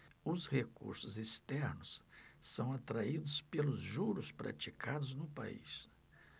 os recursos externos são atraídos pelos juros praticados no país